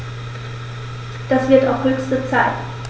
Das wird auch höchste Zeit!